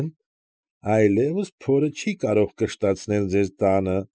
Եմ. այլևս փորը չի կարող կշտացնել ձեր տանը։